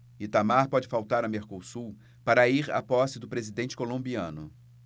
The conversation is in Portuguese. itamar pode faltar a mercosul para ir à posse do presidente colombiano